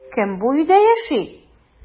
Кем бу өйдә яши?